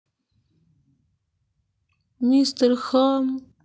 мистер хам